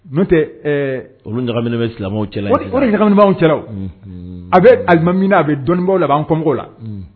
N'o tɛ ɛɛ, o de ɲagaminen bɛ silamɛw cɛla, o de ɲagaminen b'anw cɛla wo, unhun, a bɛ alimami na a bɛ dɔnnibagaw la a b'an kɔnmɔgɔw la